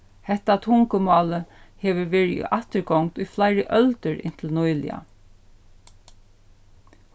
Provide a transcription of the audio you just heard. hetta tungumálið hevur verið í afturgongd í fleiri øldir inntil nýliga